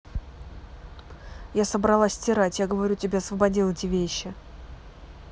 я собралась стирать я говорю тебе освободил эти вещи